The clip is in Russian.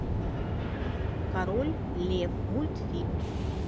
король лев мультфильм